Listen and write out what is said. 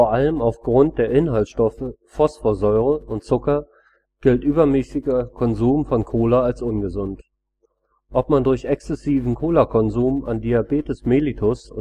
allem aufgrund der Inhaltsstoffe Phosphorsäure und Zucker gilt übermäßiger Konsum von Cola als ungesund. Ob man durch exzessiven Cola-Konsum an Diabetes mellitus